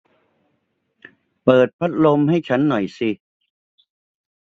เปิดพัดลมให้ฉันหน่อยสิ